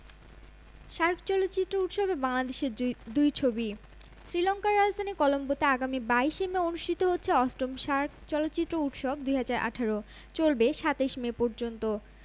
শিগগিরই চলচ্চিত্রটি মুক্তি পাবে বলে জানান নির্মাতা কানে মান্টো নিয়ে হাজির নওয়াজুদ্দিন গতকাল রোববার কানের স্থানীয় সময় বেলা ১১টায় সালে দুবুসিতে